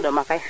a ndoma kay